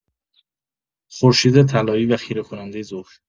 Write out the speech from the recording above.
خورشید طلایی و خیره‌کنندۀ ظهر